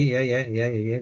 Ie ie ie ie ie.